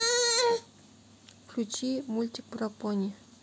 включи мультик про пони